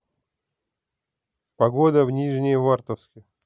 погода в нижневартовске